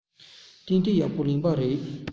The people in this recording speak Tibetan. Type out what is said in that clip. ཏན ཏན ཡག པོ ལེན པ རེད